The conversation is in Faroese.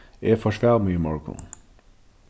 eg forsvav meg í morgun